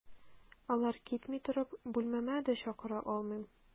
Алар китми торып, бүлмәмә дә чакыра алмыйм.